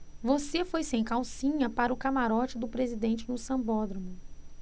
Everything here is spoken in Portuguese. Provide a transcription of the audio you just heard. você foi sem calcinha para o camarote do presidente no sambódromo